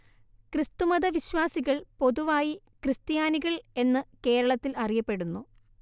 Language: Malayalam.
ക്രിസ്തുമത വിശ്വാസികൾ പൊതുവായി ക്രിസ്ത്യാനികൾ എന്ന് കേരളത്തിൽ അറിയപ്പെടുന്നു